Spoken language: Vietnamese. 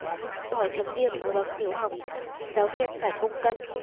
bỏ chấm điểm ở bậc tiểu học giáo viên phải công tâm